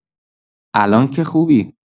الان که خوبی؟